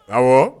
Awɔ